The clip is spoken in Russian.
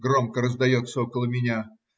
- громко раздается около меня.